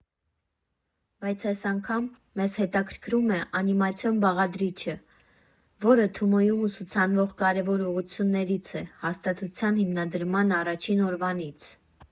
Բայց այս անգամ մեզ հետաքրքրում է անիմացիոն բաղադրիչը, որը Թումոյում ուսուցանվող կարևոր ուղղություններից է հաստատության հիմնադրման առաջին օրվանից։